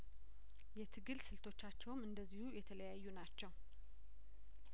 የትግል ስልቶቻቸውም እንደዚሁ የተለያዩ ናቸው